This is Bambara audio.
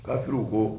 Kafiuruw ko